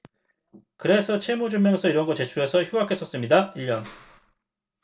그래서 채무증명서 이런 거 제출해서 휴학했었습니다 일 년